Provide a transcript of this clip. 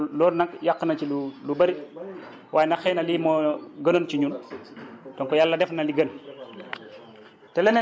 donc loolu nag yàq na ci lu lu bëri waaye nag xëy na lii moo gënoon ci ñun donc yàlla def na li gën